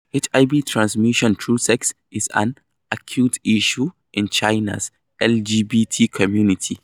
HIV transmission through sex is an acute issue in China's LGBT community.